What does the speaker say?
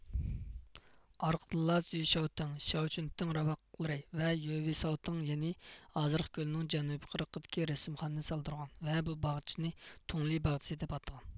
ئارقىدىنلا زۈي شياتىڭ شياۋچۈنتىڭ راۋاقلىرى ۋە يۆۋېي ساۋتاڭ يەنى ھازىرقى كۆلنىڭ جەنۇبىي قىرغىقىدىكى رەسىمخانىنى سالدۇرغان ۋە بۇ باغچىنى تۇڭلې باغچىسى دەپ ئاتىغان